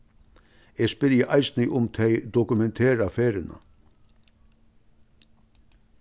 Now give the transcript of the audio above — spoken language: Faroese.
eg spyrji eisini um tey dokumentera ferðina